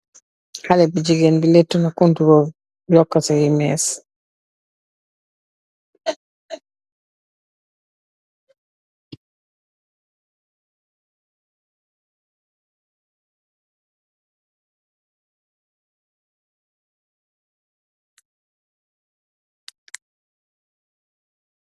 Xali bu gigeen bi lèttu na kontrol yokaci més.